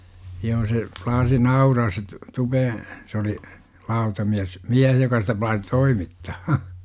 joo se plaasi nauraa se - Tupeen se oli lautamies mies joka sitä plaasi toimittaa